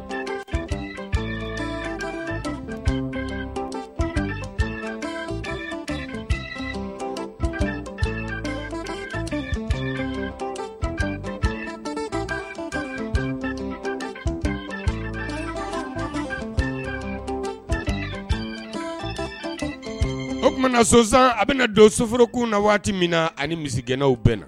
O tuma na sonsan a bɛna don soforokun na waati min na ani misigɛnnaw bɛɛ na